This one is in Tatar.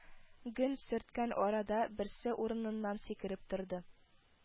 Ген сөрткән арада, берсе урыныннан сикереп торды: